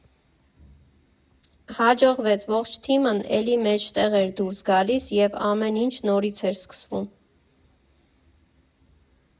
Հաջողվեց՝ ողջ թիմն էլի մեջտեղ էր դուրս գալիս, և ամեն ինչ նորից էր սկսվում։